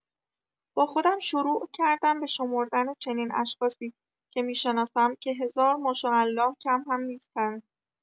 با خودم شروع کردم به شمردن چنین اشخاصی که می‌شناسم که هزار ماشاالله کم هم نیستند.